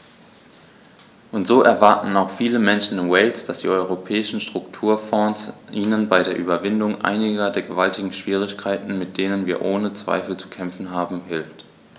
Und so erwarten auch viele Menschen in Wales, dass die Europäischen Strukturfonds ihnen bei der Überwindung einiger der gewaltigen Schwierigkeiten, mit denen wir ohne Zweifel zu kämpfen haben, hilft.